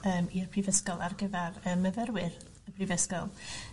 ...yym i'r prifysgol ar gyfar y myfyrwyr y brifysgol.